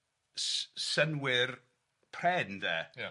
s-synnwyr pren de, ia,